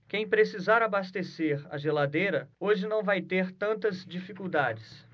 quem precisar abastecer a geladeira hoje não vai ter tantas dificuldades